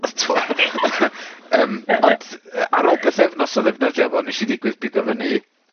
'chos t'mo yym... ...ond yy ar ôl pythefnos o ddefnyddio fo nesh i digwydd bigo fyny